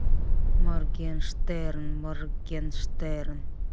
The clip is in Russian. моргенштерн моргенштерн